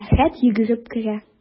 Әхәт йөгереп керә.